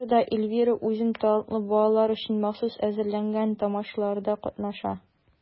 Театрда Эльвира үзен талантлы балалар өчен махсус әзерләнгән тамашаларда катнаша.